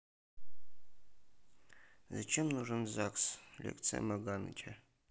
зачем нужен загс лекция меганыча